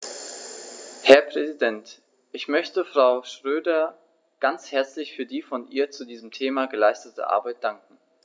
Herr Präsident, ich möchte Frau Schroedter ganz herzlich für die von ihr zu diesem Thema geleistete Arbeit danken.